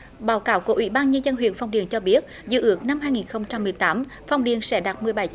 báo cáo của ủy ban nhân dân huyện phong điền cho biết dự ước năm hai nghìn không trăm mười tám phong điền sẽ đạt mười bảy chỉ